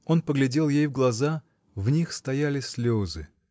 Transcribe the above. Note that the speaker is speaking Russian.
Он поглядел ей в глаза: в них стояли слезы.